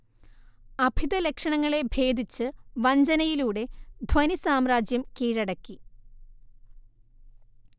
അഭിധ ലക്ഷണങ്ങളെ ഭേദിച്ച് വഞ്ചനയിലൂടെ ധ്വനിസാമ്രാജ്യം കീഴടക്കി